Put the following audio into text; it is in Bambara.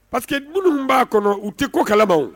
Pariseke que minnu b'a kɔnɔ u tɛ ko kalama